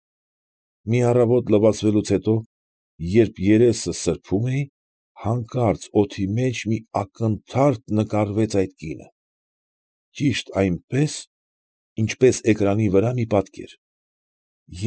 Մի առավոտ լվացվելուց հետո, երբ երեսս սրբում էի, հանկարծ օդի մեջ մի ակնթարթ նկարվեց այդ կինը, ճիշտ այնպես, ինչպես էկրանի վրա մի պատկեր։